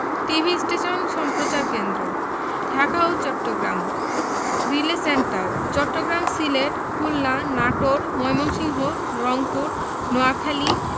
TV station সম্প্রচার কেন্দ্রঃ ঢাকা ও চট্টগ্রাম রিলে সেন্টার চট্টগ্রাম সিলেট খুলনা নাটোর ময়মনসিংহ রংপুর নোয়াখালী